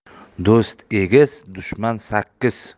do'st egiz dushman sakkiz